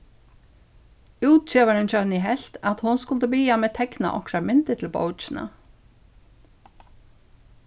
útgevarin hjá henni helt at hon skuldi biða meg tekna onkrar myndir til bókina